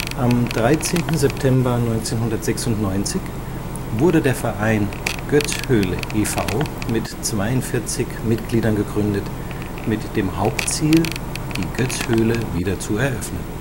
Am 13. September 1996 wurde der Verein Goetz-Höhle e. V. mit 42 Mitgliedern gegründet, mit dem Hauptziel, die Goetz-Höhle wieder zu eröffnen